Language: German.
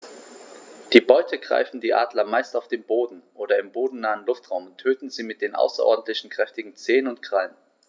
Die Beute greifen die Adler meist auf dem Boden oder im bodennahen Luftraum und töten sie mit den außerordentlich kräftigen Zehen und Krallen.